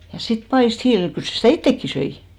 ja sitten paistoi hiilillä kyllä se sitä itsekin söi